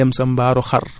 matière organique la